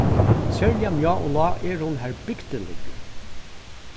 serliga mjá og lág er hon har bygdin liggur